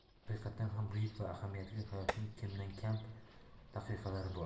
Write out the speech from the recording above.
haqiqatan ham buyuk va ahamiyatli hayotning kamdan kam daqiqalari bor